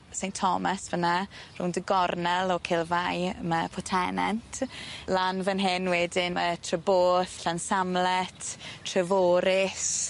St. Thomas fyn 'na rownd y gornel o Cilfai ma' Portennent lan fyn hyn wedyn ma' Treboth Llansamlet Treforys.